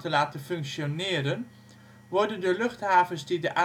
laten functioneren worden de luchthavens die de